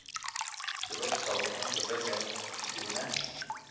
Чыбык-чабыкның дөрләп янып китүенә